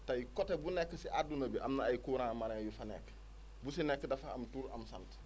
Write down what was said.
tey côté bu nekk si adduna bi am na ay courants marrains yu fa nekk bu si nekk dafa am tur am sant